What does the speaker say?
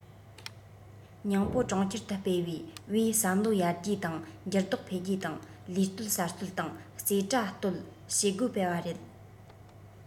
ཉིང པོ གྲོང ཁྱེར དུ སྤེལ བའི བས བསམ བློ ཡར རྒྱས དང འགྱུར ལྡོག འཕེལ རྒྱས དང ལས གཏོད གསར གཏོད དང རྩེ གྲ གཏོད བྱེད སྒོ སྤེལ བ རེད